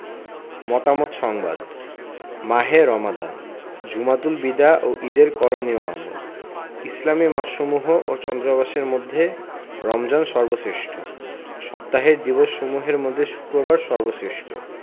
মতামত সংবাদ মাহে রমাদান জুমাতুল বিদা ও ঈদের করণীয় আমল ইসলামি মাসসমূহ ও চন্দ্রমাসের মধ্যে রমজান সর্বশ্রেষ্ঠ সপ্তাহের দিবসসমূহের মধ্যে শুক্রবার সর্বশ্রেষ্ঠ